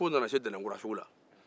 f'u nana se dɛnɛnkura sugu la